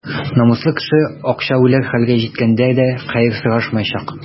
Намуслы кеше ачка үләр хәлгә җиткәндә дә хәер сорашмаячак.